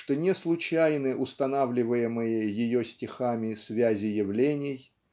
что не случайны устанавливаемые ее стихами связи явлений